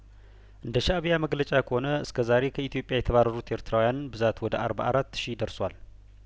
እንደ ሻእቢያ መግለጫ ከሆነ እስከዛሬ ከኢትዮጵያ የተባረሩት ኤርትራውያን ብዛት ወደ አርባ አራት ሺ ደርሷል